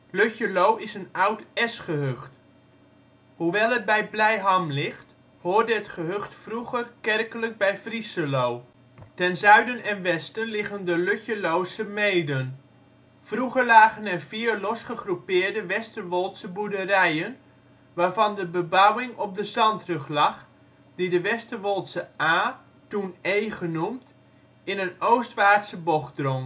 Lutjeloo is een oud esgehucht. Hoewel het bij Blijham ligt hoorde het gehucht vroeger kerkelijk bij Vriescheloo. Ten zuiden en westen liggen de Lutjeloosche Meeden. Vroeger lagen er vier los gegroepeerde Westerwoldse boerderijen, waarvan de bebouwing op de zandrug lag, die de Westerwoldsche Aa (toen Ee genoemd) in een oostwaartse bocht drong. Het